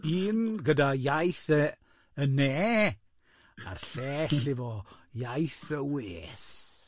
un gyda iaith yy y nê a'r llell i fo, iaith y wês.